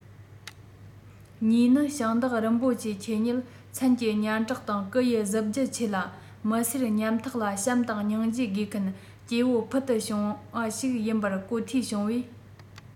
གཉིས ནི ཞིང བདག རིན པོ ཆེ ཁྱེད ཉིད མཚན གྱི སྙན གྲགས དང སྐུ ཡི གཟི བརྗིད ཆེ ལ མི སེར ཉམ ཐག ལ བྱམས དང སྙིང རྗེ དགོངས མཁན སྐྱེ བོ ཕུལ དུ བྱུང ཞིག ཡིན པར གོ ཐོས བྱུང བས